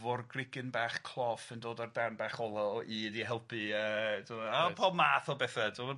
forgrugyn bach cloff yn dod o'r darn bach ola o ŷd i helpu yy t'mo' helpu. A pob math o betha t'mod?